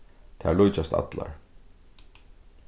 tær líkjast allar